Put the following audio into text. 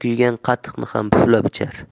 kuygan qatiqni ham puflab ichar